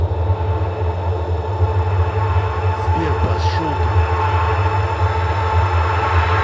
сбер пошел ты